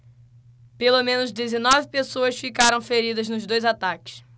pelo menos dezenove pessoas ficaram feridas nos dois ataques